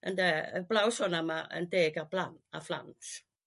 ynde 'eblaw son am yrr yn deg a blan- a phlant.